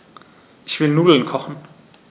Ich will Nudeln kochen.